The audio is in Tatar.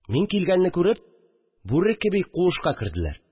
Мин килгәнне күреп, бүре кеби, куышка керделәр